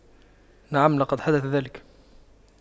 نعم لقد حدث ذلك